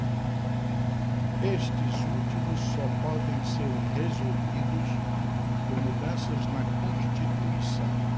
estes últimos só podem ser resolvidos com mudanças na constituição